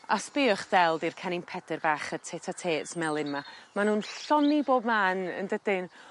A sbïwch del 'di'r Cenyn Pedr bach y Titatates melyn 'ma ma' nw'n lloni bob man yndydyn?